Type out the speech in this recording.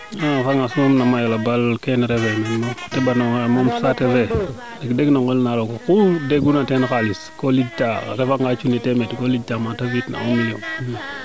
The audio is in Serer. fangas moom nama yala baal keene moom refee saate fe in de no ngel na roog oxu deeguna teen xalis lij caa a refa cuuni temeedo lij taa maate fi it na un million